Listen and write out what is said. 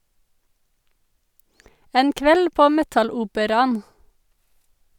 En kveld på metaloperaen.